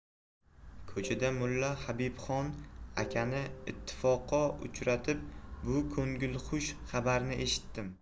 ko'chada mulla habibxon akani ittifoqo uchratib bu ko'ngilxush xabarni eshitdim